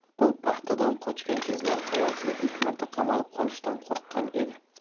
u paxtadan qochgan kezlari hayotida ilk marta qamalib qolishdan qo'rqqan edi